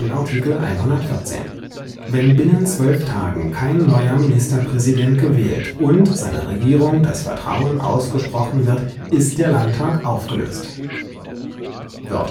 Artikel 114). Wenn binnen zwölf Tagen kein neuer Ministerpräsident gewählt und seiner Regierung das Vertrauen ausgesprochen wird, ist der Landtag aufgelöst. Der